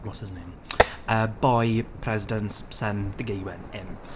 what's his name? Yy, boi President's son, the gay one - him.